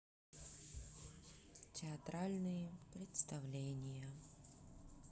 театральные представления